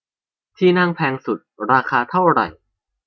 ที่นั่งแพงสุดราคาเท่าไหร่